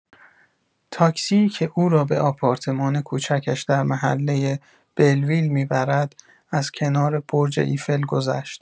تاکسی که او را به آپارتمان کوچکش در محله بلویل می‌برد، از کنار برج ایفل گذشت.